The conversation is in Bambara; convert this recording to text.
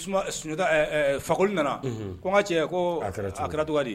Sunjata fakoli nana ko ka cɛ ko kɛradi